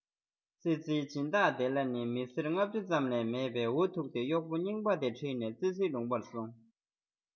ཙི ཙིའི སྦྱིན བདག དེ ལ ནི མི སེར ལྔ བཅུ ཙམ ལས མེད པས འུ ཐུག སྟེ གཡོག པོ རྙིང པ དེ ཁྲིད ནས ཙི ཙིའི ལུང པར སོང